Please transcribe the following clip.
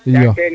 iyo